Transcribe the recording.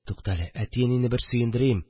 Туктале, әти-әнине бер сөендерим